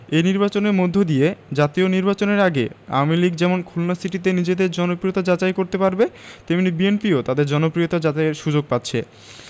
এই নির্বাচনের মধ্য দিয়ে জাতীয় নির্বাচনের আগে আওয়ামী লীগ যেমন খুলনা সিটিতে নিজেদের জনপ্রিয়তা যাচাই করতে পারবে তেমনি বিএনপিও তাদের জনপ্রিয়তা যাচাইয়ের সুযোগ পাচ্ছে